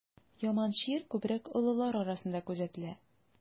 Яман чир күбрәк олылар арасында күзәтелә.